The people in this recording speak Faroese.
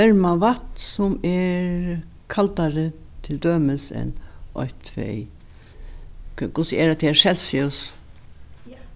verma vatn sum er kaldari til dømis enn eitt tvey hvussu er hetta her celsius